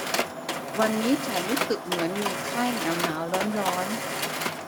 วันนี้ฉันรู้สึกเหมือนมีไข้หนาวหนาวร้อนร้อน